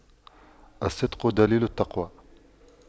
الصدق دليل التقوى